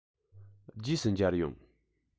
རྗེས སུ མཇལ ཡོང